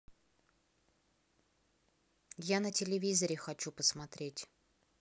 я на телевизоре хочу посмотреть